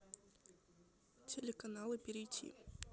телеканалы перейти